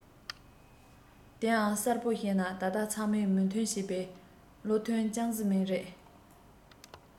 དེའང གསལ པོ བཤད ན ད ལྟ ཚང མས མོས མཐུན བྱས པའི བློ ཐུན ཅང ཙེ མིང རེད